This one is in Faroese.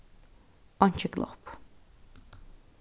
einki glopp